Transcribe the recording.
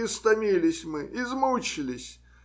Истомились мы, измучились.